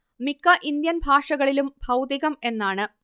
മിക്ക ഇന്ത്യൻ ഭാഷകളിലും ഭൗതികം എന്നാണ്